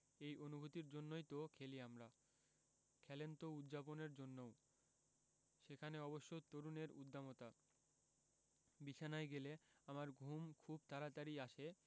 এই অনুভূতির জন্যই তো খেলি আমরা খেলেন তো উদ্ যাপনের জন্যও সেখানে অবশ্য তরুণের উদ্দামতা বিছানায় গেলে আমার ঘুম খুব তাড়াতাড়িই আসে